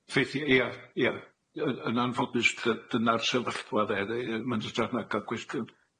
Ffeithie- ia ia yy yn anffodus dy- dyna'r sefyllfa, de? yn hytrach na ca'l cwestiwn.